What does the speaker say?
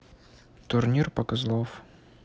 турнир по козлов